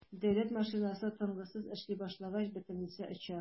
Дәүләт машинасы тынгысыз эшли башлагач - бөтенесе оча.